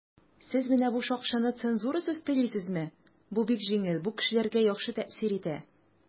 "сез менә бу шакшыны цензурасыз телисезме?" - бу бик җиңел, бу кешеләргә яхшы тәэсир итә.